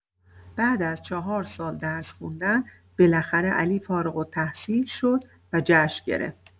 بعد از چهار سال درس خوندن، بالاخره علی فارغ‌التحصیل شد و جشن گرفت.